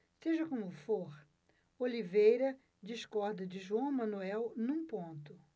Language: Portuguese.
seja como for oliveira discorda de joão manuel num ponto